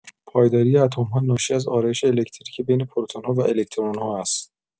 پایداری اتم‌ها ناشی از آرایش الکتریکی بین پروتون‌ها و الکترون‌ها است.